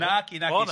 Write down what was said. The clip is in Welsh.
Naci, naci. O na.